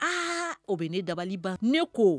Aa o bɛ ne dabaliliba ne ko